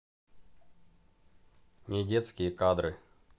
недетские кадры